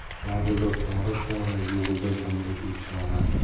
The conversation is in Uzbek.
borida pora pora yo'g'ida banda bechora